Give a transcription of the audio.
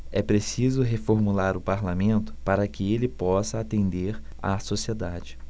é preciso reformular o parlamento para que ele possa atender a sociedade